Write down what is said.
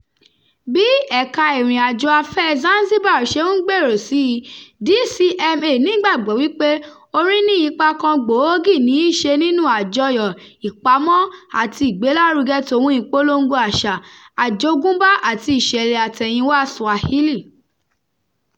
Bí ẹ̀ka ìrìn-àjò afẹ́ẹ Zanzibar ṣe ń gbèrò sí i, DCMA nígbàgbọ́ wípé orin ní ipa kan gbòógì ní í ṣe nínú àjọyọ̀, ìpamọ́ àti ìgbélárugẹ tòun ìpolongo àṣà, àjogúnbá àti ìṣẹ̀lẹ̀ àtẹ̀yìnwáa Swahili.